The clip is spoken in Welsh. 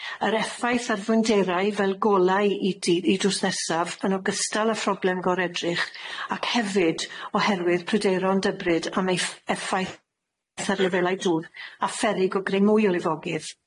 yr effaith ar fwynderau fel golau i d- i drws nesaf yn ogystal â phroblem goredrych, ac hefyd oherwydd pryderon dybrid am ei f- effaith ar lefelau dŵr a pherrig o greu mwy o lifogydd.